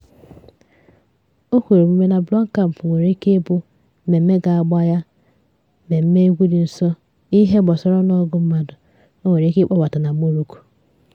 O kwere omume na Blog Camp nwere ike ịbụ mmemme ga-agbagha Mmemme Egwu Dị Nsọ n'ihe gbasara ọnụọgụgụ mmadụ o nwere ike ịkpọbata na Morocco.